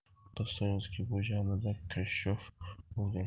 dostoyevskiy bu janrda kashshof bo'lgan